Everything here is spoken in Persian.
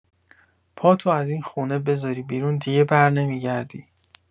پاتو از این خونه بزاری بیرون دیگه برنمی‌گردی.